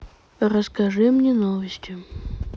расскажи мне новости